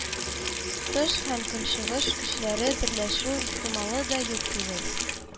Тыш һәм көнчыгыш көчләре берләшү ихтималы да юк түгел